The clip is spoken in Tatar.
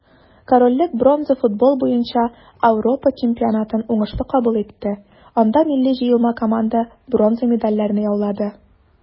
Корольлек бронза футбол буенча Ауропа чемпионатын уңышлы кабул итте, анда милли җыелма команда бронза медальләрне яулады.